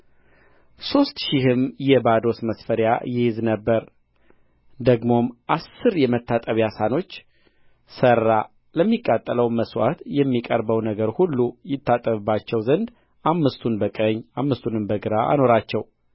ሦስት ሺህም የባዶስ መሥፈሪያ ይይዝ ነበር ደግሞም አሥር የመታጠቢያ ሰኖች ሠራ ለሚቃጠለውም መሥዋዕት የሚቀርበው ነገር ሁሉ ይታጠብባቸው ዘንድ አምስቱን በቀኝ አምስቱንም በግራ አኖራቸው